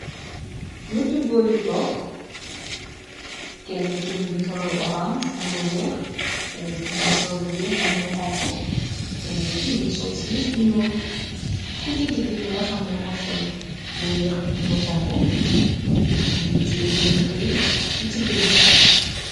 Nitti boor yu toog kenn ki mingi sol lu orange, am lu weex, kenneen ki mi ngi sol lu weex, am lu xonk kenneen ki mi ngi sol ci mis bu ñuul, ku ci dëgg binga xarne moo sol lu weex am lu xonk mi ngit yé benn kayit di ci bing.